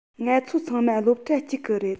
ང ཚོ ཚང མ སློབ གྲྭ གཅིག གི རེད